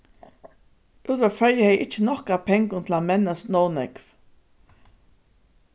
útvarp føroya hevði ikki nokk av pengum til at mennast nóg nógv